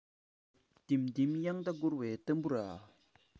ལྡེམ ལྡེམ དབྱངས རྟ འགྱུར བའི ཏམ བུ ར